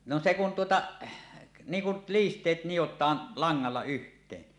no se kun tuota niin kuin liisteet nidotaan langalla yhteen